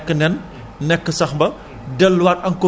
bi muy nekk lëppaalëb jaar nekk nen